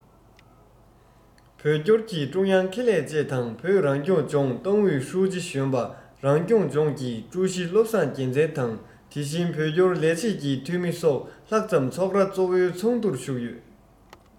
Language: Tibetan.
བོད སྐྱོར གྱི ཀྲུང དབྱང ཁེ ལས བཅས དང བོད རང སྐྱོང ལྗོངས ཏང ཨུད ཀྱི ཧྲུའུ ཅི གཞོན པ རང སྐྱོང ལྗོངས ཀྱི ཀྲུའུ ཞི བློ བཟང རྒྱལ མཚན དང དེ བཞིན བོད སྐྱོར ལས བྱེད ཀྱི འཐུས མི སོགས ལྷག ཙམ ཚོགས ར གཙོ བོའི ཚོགས འདུར ཞུགས ཡོད